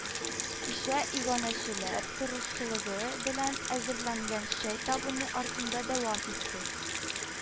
Кичә иганәчеләр тырышлыгы белән эзерләнгән чәй табыны артында дәвам итте